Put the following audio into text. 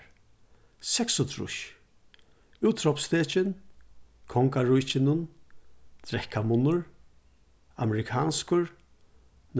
seksogtrýss útrópstekin kongaríkinum drekkamunnur amerikanskur